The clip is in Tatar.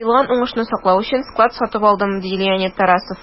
Җыелган уңышны саклау өчен склад сатып алдым, - ди Леонид Тарасов.